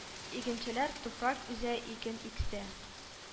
Игенчеләр туфрак үзә иген иксә